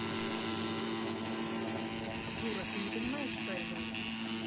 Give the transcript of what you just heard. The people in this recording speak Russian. дура ты не понимаешь что я говорю